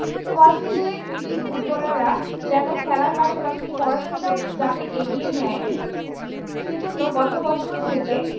কলসিন্দুরের কৃতী ফুটবলাররা যেন খেলার পাশাপাশি পড়াশোনাটাও যাতে এগিয়ে নেয় সে জন্য গত বছর থেকে